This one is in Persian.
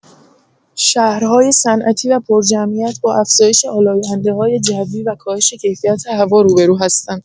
شهرهای صنعتی و پرجمعیت با افزایش آلاینده‌های جوی و کاهش کیفیت هوا روبرو هستند.